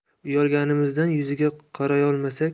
uyalganimizdan yuziga qarayolmasak